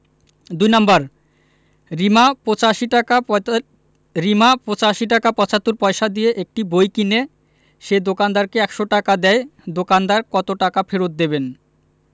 ২ number Rima ৮৫ টাকা রিমা ৮৫ টাকা৭৫ পয়সা দিয়ে একটি বই কিনে সে দোকানদারকে ১০০ টাকা দেয় দোকানদার কত টাকা ফেরত দেবেন